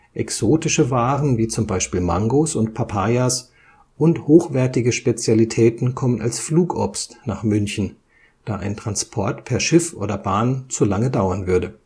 Exotische Waren (wie z. B. Mangos und Papayas) und hochwertige Spezialitäten kommen als Flugobst nach München, da ein Transport per Schiff oder Bahn zu lange dauern würde